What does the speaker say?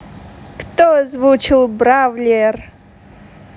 кто озвучил бравлер